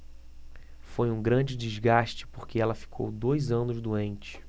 foi um grande desgaste porque ela ficou dois anos doente